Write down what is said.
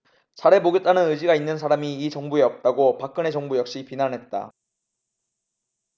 잘해보겠다는 의지가 있는 사람이 이 정부에 없다고 박근혜 정부 역시 비난했다